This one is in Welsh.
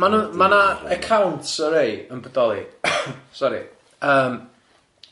Ma' nhw, ma' na accounts o rei yn bodoli sori yym,